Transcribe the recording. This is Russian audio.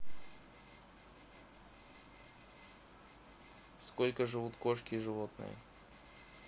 сколько живут кошки и животные